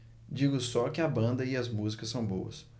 digo só que a banda e a música são boas